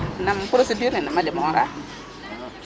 nam procédure ne nam nam a deme'ooraa